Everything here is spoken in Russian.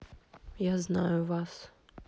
я знаю вас